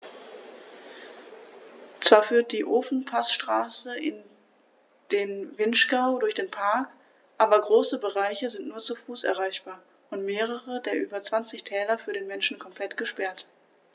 Zwar führt die Ofenpassstraße in den Vinschgau durch den Park, aber große Bereiche sind nur zu Fuß erreichbar und mehrere der über 20 Täler für den Menschen komplett gesperrt.